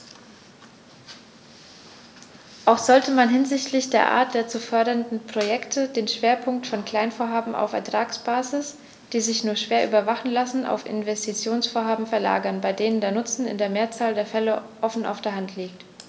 Auch sollte man hinsichtlich der Art der zu fördernden Projekte den Schwerpunkt von Kleinvorhaben auf Ertragsbasis, die sich nur schwer überwachen lassen, auf Investitionsvorhaben verlagern, bei denen der Nutzen in der Mehrzahl der Fälle offen auf der Hand liegt.